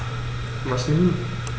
Was nun?